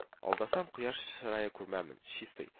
Алдасам, кояш чырае күрмәмен, чистый